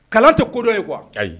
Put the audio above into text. Kalan tɛ kodɔn ye kuwa ayi